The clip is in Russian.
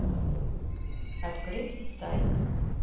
открыть сайт